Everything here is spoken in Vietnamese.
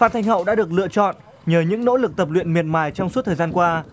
phan thanh hậu đã được lựa chọn nhờ những nỗ lực tập luyện miệt mài trong suốt thời gian qua